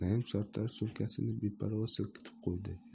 naim sartarosh sumkasini beparvo silkitib qo'yadi